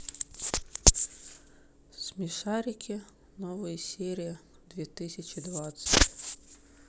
смешарики новые серии две тысячи двадцать